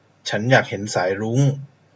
ฉันอยากเห็นสายรุ้ง